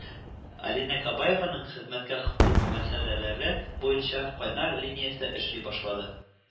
Алинә Кабаеваның хезмәткә хокук мәсьәләләре буенча кайнар линиясе эшли башлады